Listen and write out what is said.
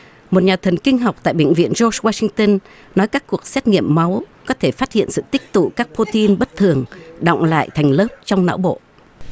một nhà thần kinh học tại bệnh viện trước giôn goa sin tơn nói các cuộc xét nghiệm máu có thể phát hiện diện tích tụ các pờ rô tê in bất thường đọng lại thành lớp trong não bộ